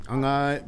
An ka